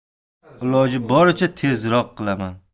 iloji boricha tezroq qilaman